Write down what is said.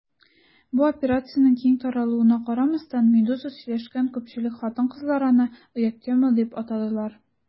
Бу операциянең киң таралуына карамастан, «Медуза» сөйләшкән күпчелек хатын-кызлар аны «оят тема» дип атадылар.